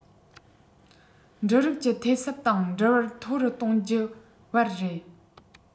འབྲུ རིགས ཀྱི ཐད གསབ དང འབྲུ བར མཐོ རུ གཏོང རྒྱུ བར རེད